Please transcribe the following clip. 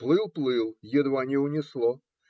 Плыл, плыл, едва не унесло.